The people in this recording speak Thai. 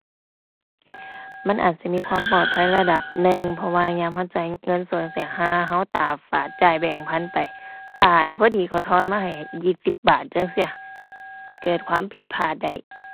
มันอาจจะมีความปลอดภัยระดับหนึ่ง เพราะว่ายามเราจ่ายเงินสดจั่งซี้ ห่าเราตาฝาดจ่ายแบงก์พันไป ตายพอดีเขาทอนมาให้ยี่สิบบาทจั่งซี้ เกิดความผิดพลาดได้